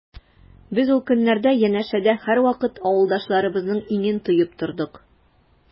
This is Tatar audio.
Без ул көннәрдә янәшәдә һәрвакыт авылдашларыбызның иңен тоеп тордык.